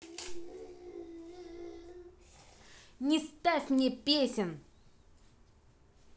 не ставь мне песен